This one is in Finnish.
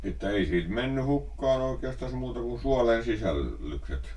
että ei sitten mennyt hukkaan oikeastaan muuta kuin suolen - sisällykset